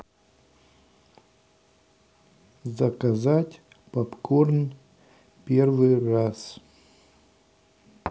заказать попкорн первый раз